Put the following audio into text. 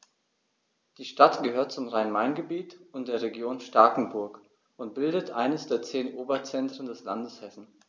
Die Stadt gehört zum Rhein-Main-Gebiet und der Region Starkenburg und bildet eines der zehn Oberzentren des Landes Hessen.